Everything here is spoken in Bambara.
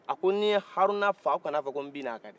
a ko ni n ye haruna faga aw kan'a fɔ ko n bin'a kan dɛ